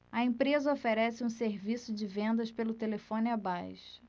a empresa oferece um serviço de vendas pelo telefone abaixo